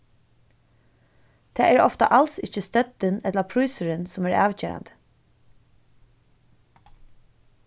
tað er ofta als ikki støddin ella prísurin sum er avgerandi